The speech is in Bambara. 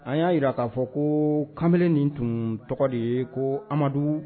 An y'a jira k'a fɔ ko kamalen nin tun tɔgɔ de ko amadu